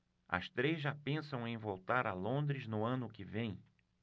as três já pensam em voltar a londres no ano que vem